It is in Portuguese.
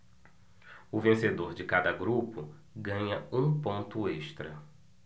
o vencedor de cada grupo ganha um ponto extra